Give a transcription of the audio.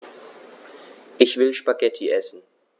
Ich will Spaghetti essen.